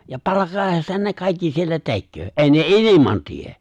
ja palkan edestähän ne kaikki siellä tekee ei ne ilman tee